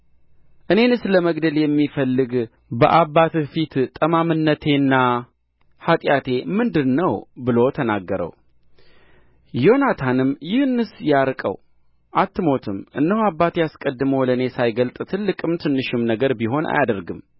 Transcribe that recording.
እኔንስ ለመግደል የሚፈልግ በአባትህ ፊት ጠማምነቴና ኃጢአቴ ምንድር ነው ብሎ ተናገረው ዮናታንም ይህንስ ያርቀው አትሞትም እነሆ አባቴ አስቀድሞ ለእኔ ሳይገልጥ ትልቅም ትንሽም ነገር ቢሆን አያደርግም